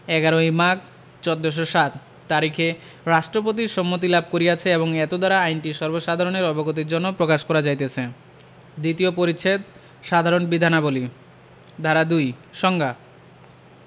১১ই মাঘ ১৪০৭ তারিখে রাষ্ট্রপতির সম্মতি লাভ করিয়অছে এবং এতদ্বারা আইনটি সর্বসাধারণের অবগতির জন্য প্রকাশ করা যাইতেছে দ্বিতীয় পরিচ্ছেদ সাধারণ বিধানাবলী ধারা ২ সংজ্ঞা